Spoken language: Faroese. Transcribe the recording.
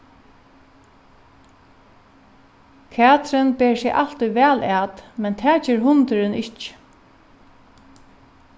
katrin ber seg altíð væl at men tað ger hundurin ikki